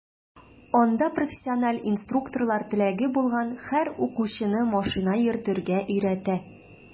Анда профессиональ инструкторлар теләге булган һәр укучыны машина йөртергә өйрәтә.